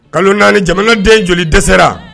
Kalo naani jamana den joli dɛsɛ